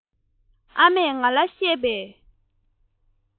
ཨ མས ང ལ བཤད པའི